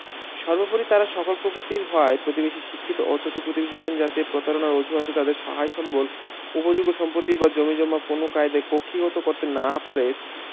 সর্বপরি তারা সরল প্রকৃতির হওয়ায় প্রতিবেশী শিক্ষিত ও চতুর প্রতিবেশীগণ যাতে প্রতারণার অজুহাতে তাদের সহায় সম্ভল উপযোগ্য সম্পত্তি বা জমিজমা কোনও কায়দায় কুক্ষীগত করতে না পারে